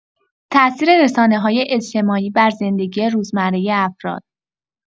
تاثیر رسانه‌های اجتماعی بر زندگی روزمره افراد